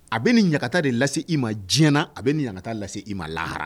A be nin ɲagata de lase i ma diɲɛ na a be nin ɲagata lase i ma lahara